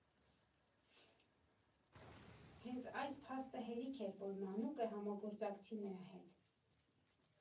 Հենց այս փաստը հերիք էր, որ Մանուկը համագործակցի նրա հետ։